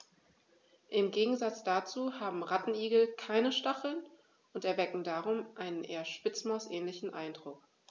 Im Gegensatz dazu haben Rattenigel keine Stacheln und erwecken darum einen eher Spitzmaus-ähnlichen Eindruck.